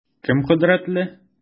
Кем кодрәтле?